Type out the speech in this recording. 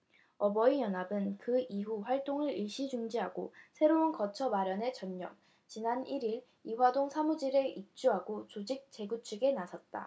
어버이연합은 그 이후 활동을 일시 중지하고 새로운 거처 마련에 전념 지난 일 일 이화동 사무실에 입주하고 조직 재구축에 나섰다